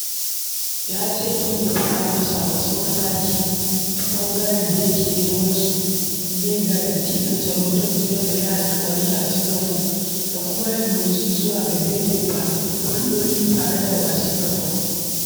Ya ce Kim ya faɗa masa "wasu matakai ta ɓangaren" da yake nema su ne garanti na tsaro da Trump ya yi alkawari a Singapore da kuma yin motsi zuwa ga daidaita hulɗoɗi tare da Washington.